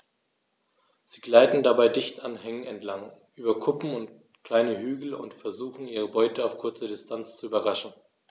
Sie gleiten dabei dicht an Hängen entlang, über Kuppen und kleine Hügel und versuchen ihre Beute auf kurze Distanz zu überraschen.